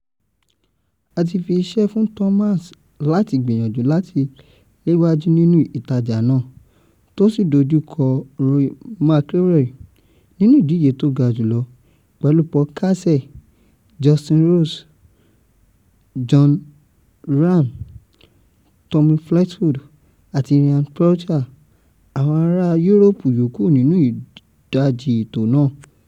A ti fi iṣẹ́ fún Thomas láti gbìyànjú láti léwájú nínú ìjà náà, tó sì dojú kọ Rory McIlroy nínú ìdíje tó ga jùlọ, pẹ̀lú Paul Casey, Justin Rose, Jon Rahm, Tommy Fleetwood àti Ian Poulter àwọn ará Yúróòpù yòókù nínú ìdajì ètò náà.